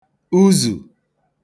uzù